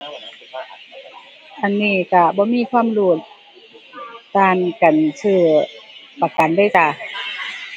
อันนี้ก็บ่มีความรู้ การ อั่น ซื้อประกันเลยจ้ะ